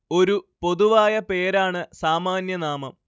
ഒരു പൊതുവായ പേരാണ് സാമാന്യ നാമം